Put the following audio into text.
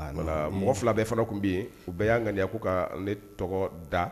A nana mɔgɔ fila bɛ fana tun bɛ yen u bɛɛ y'an ŋ' ka ne tɔgɔ da